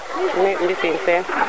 mi Mbisine Sene